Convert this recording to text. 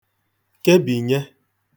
kebìnye